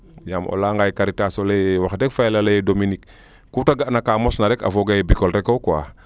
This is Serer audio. yaam o leya nga Karitas wax deg fa yala o leyee Dominique kuute ga'na kaa mosna a foogaye Bicole reko quoi